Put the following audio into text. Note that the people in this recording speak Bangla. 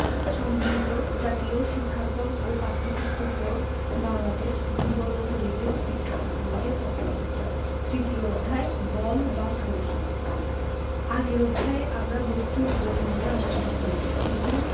সংগৃহীত জাতীয় শিক্ষাক্রম ও পাঠ্যপুস্তক বোর্ড বাংলাদেশ ভূগোল ও পরিবেশ বিজ্ঞান বই এর অন্তর্ভুক্ত তৃতীয় অধ্যায় বল বা ফোরস আগের অধ্যায়ে আমরা বস্তুর গতি নিয়ে আলোচনা করেছি কিন্তু